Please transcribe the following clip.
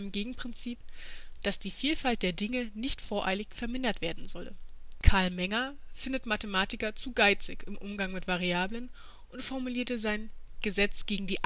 Gegenprinzip, dass die Vielfalt der Dinge nicht voreilig vermindert werden solle. Karl Menger (1902 – 1985) findet Mathematiker zu geizig im Umgang mit Variablen und formulierte sein Gesetz gegen die Armseligkeit